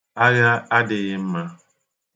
Agha adịghị mma.